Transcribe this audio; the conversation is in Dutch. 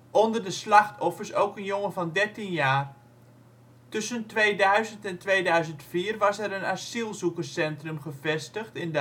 Onder de slachtoffers ook een jongen van 13 jaar. Tussen 2000 en 2004 was er een asielzoekerscentrum gevestigd in